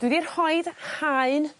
dwi 'di rhoid haen